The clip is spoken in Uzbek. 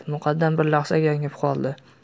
muqaddam bir lahza gangib qoldi